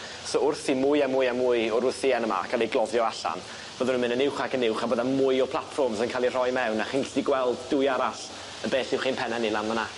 so wrth i mwy a mwy a mwy o'r wythïen yma ca'l ei gloddio allan bydden nw'n mynd yn uwch ac yn uwch a bydda mwy o platfforms yn ca'l eu rhoi mewn a chi'n gellu gweld dwy arall yn bell uwch ein penne ni lan myn 'na.